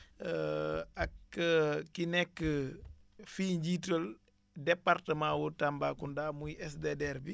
ak ki nekk fii jiital département wu Tambacounda muy SDDR bi